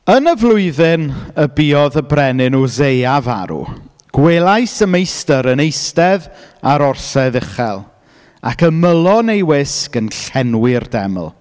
Yn y flwyddyn y buodd y brenin Usseia farw, gwelais y meistr yn eistedd ar orsedd uchel, ac ymylon ei wisg yn llenwi'r deml.